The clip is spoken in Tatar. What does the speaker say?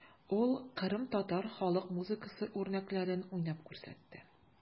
Ул кырымтатар халык музыкасы үрнәкләрен уйнап күрсәтте.